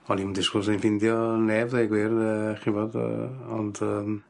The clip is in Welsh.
O'n 'im yn disgwl sa'n i'n ffindio neb ddeu' gwir yy ch'mod yy ond yym